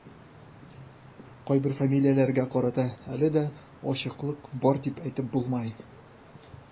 Кайбер фамилияләргә карата әле дә ачыклык бар дип әйтеп булмый.